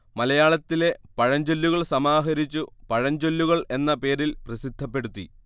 മലയാളത്തിലെ പഴഞ്ചൊല്ലുകൾ സമാഹരിച്ചു പഴഞ്ചൊല്ലുകൾ എന്ന പേരിൽ പ്രസിദ്ധപ്പെടുത്തി